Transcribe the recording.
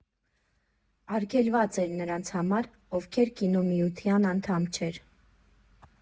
Արգելված էր նրանց համար, ովքեր Կինոմիության անդամ չէր։